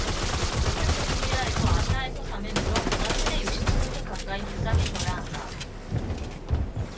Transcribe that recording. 같은 제품이라 해도 아시아에서 사면 유럽보다 최대 육십 퍼센트 가까이 비싸게 줘야 한다